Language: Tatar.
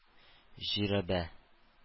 Жирәбә